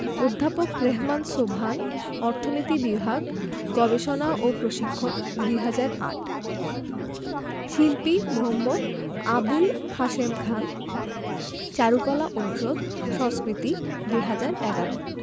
অধ্যাপক রেহমান সোবহান অর্থনীতি বিভাগ গবেষণা ও প্রশিক্ষণ ২০০৮ শিল্পী মু. আবুল হাশেম খান চারুকলা অনুষদ সংস্কৃতি ২০১১